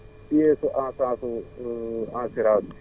loolu ak lan nga ne li nga mujjee wax